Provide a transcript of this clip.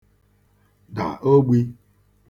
dà ogbī